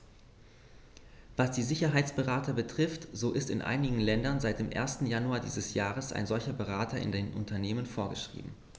Was die Sicherheitsberater betrifft, so ist in einigen Ländern seit dem 1. Januar dieses Jahres ein solcher Berater in den Unternehmen vorgeschrieben.